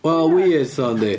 Ma'n weird ddo yndi?